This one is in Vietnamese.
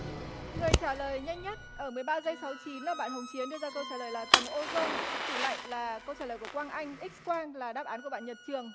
người trả lời nhanh nhất ở mười ba giây sáu chín là bạn hồng chiến đưa ra câu trả lời là tầng ô dôn tủ lạnh là câu trả lời của quang anh ích quang là đáp án của bạn nhật trường